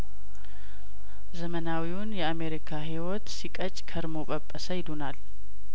ዘመናዊውን የአምሪካ ሂዎት ሲቀጭ ከርሞ ጰጰሰ ይሉናል